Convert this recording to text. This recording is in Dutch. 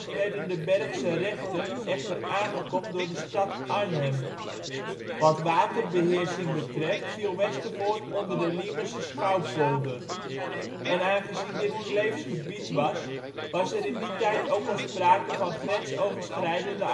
werden de Berghse rechten echter aangekocht door de stad Arnhem. Wat waterbeheersing betreft viel Westervoort onder de Liemerse Schouwpolder. En aangezien dit Kleefs gebied was, was er in die tijd ook al sprake van grensoverschrijdende